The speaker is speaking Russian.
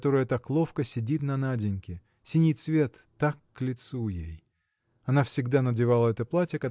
которое так ловко сидит на Наденьке синий цвет так к лицу ей. Она всегда надевала это платье